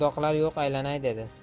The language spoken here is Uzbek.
undoqlar yo'q aylanay dedi